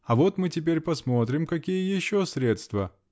а вот мы теперь посмотрим, какие еще средства.